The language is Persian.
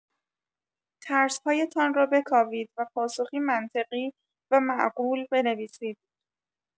ترس‌هایتان را بکاوید و پاسخی منطقی و معقول بنویسید.